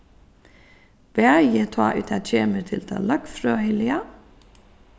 bæði tá ið tað kemur til tað løgfrøðiliga